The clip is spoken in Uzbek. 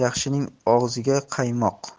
yaxshining og'ziga qaymoq